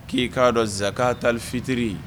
K'i k'a dɔn zanaka tali fitiri